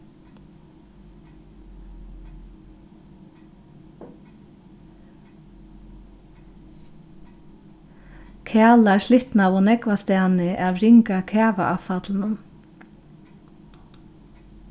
kaðlar slitnaðu nógvastaðni av ringa kavaavfallinum